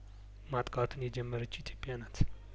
ማጥቃቱን የጀመረችው ኢትዮጵያ ናት